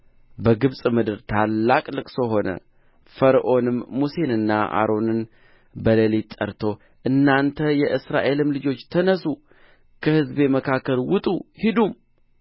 በግብፅ ምድር ታላቅ ልቅሶ ሆነ ፈርዖንም ሙሴንና አሮንን በሌሊት ጠርቶ እናንተ የእስራኤልም ልጆች ተነሡ ከሕዝቤ መካከል ውጡ ሂዱም